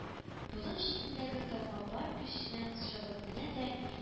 Болын читендәге тауга бар көченә чабып менә дә